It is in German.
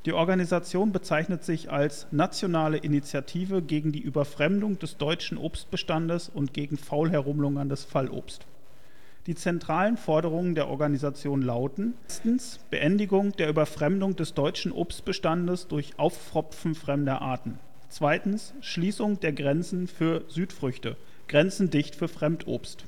Organisation bezeichnet sich als „ Nationale Initiative gegen die Überfremdung des deutschen Obstbestandes und gegen faul herumlungerndes Fallobst “. Die zentralen Forderungen der Organisation lauten: Beendigung der Überfremdung des deutschen Obstbestandes durch Aufpropfen fremder Arten Schließung der Grenzen für Südfrüchte (" Grenzen dicht für Fremdobst